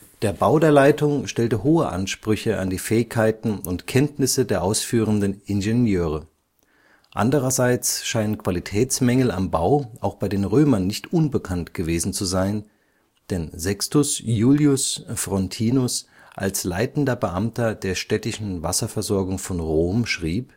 der Leitung stellte hohe Ansprüche an die Fähigkeiten und Kenntnisse der ausführenden Ingenieure. Andererseits scheinen Qualitätsmängel am Bau auch bei den Römern nicht unbekannt gewesen zu sein, denn Sextus Iulius Frontinus als leitender Beamter der städtischen Wasserversorgung von Rom schrieb